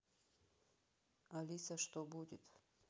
алиса что будет